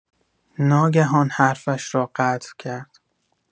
ناگهان حرفش را قطع کرد.